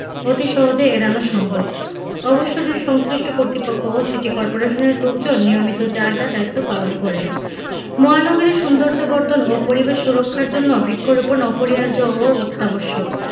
অতি সহজেই এড়ানো সম্ভব অবশ্য যদি সংশ্লিষ্ট কর্তৃপক্ষ ও সিটি কর্পোরেশনের লোকজন নিয়মিত যার যার দায়িত্ব পালন করেন মহানগরীর সৌন্দর্যবর্ধন ও পরিবেশ সুরক্ষার জন্য বৃক্ষরোপণ অপরিহার্য ও অত্যাবশ্যক